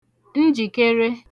njìkere